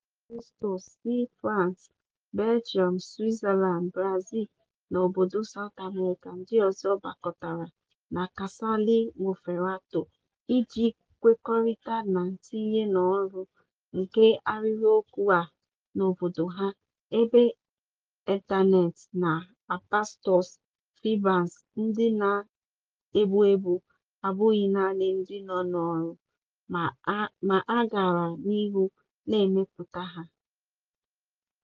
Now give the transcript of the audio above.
N'ezie òtù megidere asbestọs si France, Belgium, Switzerland, Brazil na obodo South America ndị ọzọ gbakọtara na Casale Monferrato iji kwekọrịta na ntinye n'ọrụ nke ahịrịokwu a n'obodo ha, ebe Eternit na asbestọs fibers ndị na-egbu egbu abụghị naanị ndị nọ n'ọrụ ma a gara n'ihu na-emepụta ha.